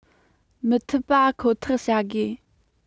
མི ཐུབ པ ཁག ཐེག བྱ དགོས